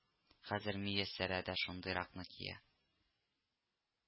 Хәзер мияссәрә дә шундыйракны кия